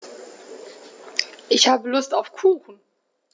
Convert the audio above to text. Ich habe Lust auf Kuchen.